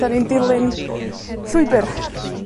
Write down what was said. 'dan ni'n dilyn llwybyr.